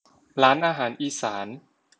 ร้านอาหารอีสาน